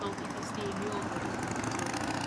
fel didyst ti mi odd o 'tha so't of